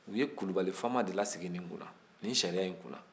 u ye kulubali faama de lasigi nin kunna nin sariya kunna